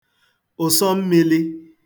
ụ̀sọ mmīlī